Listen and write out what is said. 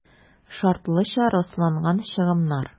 «шартлыча расланган чыгымнар»